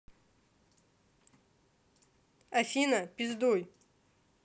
афина пиздуй